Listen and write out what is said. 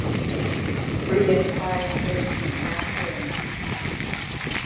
เปลี่ยนไฟเป็นสีน้ำเงิน